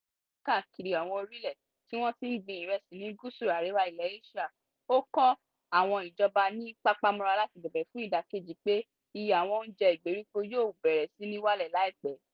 Bí iye ìrẹsì ṣé ń gbówó lórí káàkiri àwọn orílẹ̀ tí wọ́n ti ń gbin ìrẹsì ní GúúsùÀríwá Ilẹ̀ Éṣíà, ó kó àwọn ìjọba ní papámọ́ra láti bèbè fún ìdákẹ́jẹ́ pé iye àwọn ọjà ìgbèríko yóò bẹ̀rẹ̀ sí níí wálẹ̀ láìpẹ́.